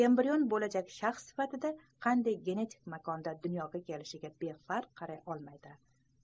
embrion bo'lajak shaxs sifatida qanday genetik makonda dunyoga kelishiga befarq qaray olmaydi